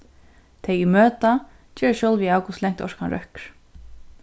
tey ið møta gera sjálvi av hvussu langt orkan røkkur